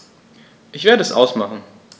Ich werde es ausmachen